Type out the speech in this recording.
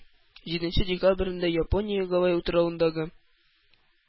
Җиденче декабрендә япония гавай утравындагы